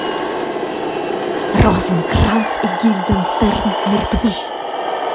розенкранц и гильденстерн мертвы